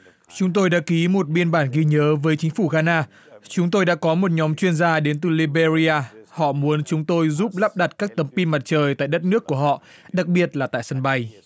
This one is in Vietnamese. chúng tôi đã ký một biên bản ghi nhớ với chính phủ ga na chúng tôi đã có một nhóm chuyên gia đến từ li bê ri a họ muốn chúng tôi giúp lắp đặt các tấm pin mặt trời tại đất nước của họ đặc biệt là tại sân bay